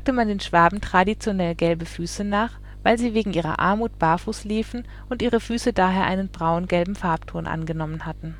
man den Schwaben traditionell gelbe Füße nach, weil sie wegen ihrer Armut barfuß liefen und ihre Füße daher einen braun-gelben Farbton angenommen hatten